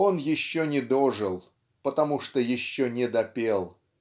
Он еще не дожил, потому что еще не допел.